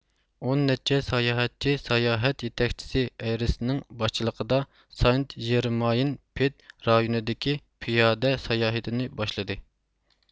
ئون نەچچە ساياھەتچى ساياھەت يېتەكچىسى ئەيرىسنىڭ باشچىلىقىدا ساينت ژېرماين پېد رايونىدىكى پىيادە ساياھىتىنى باشلىدى